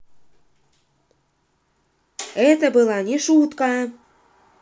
это была не шутка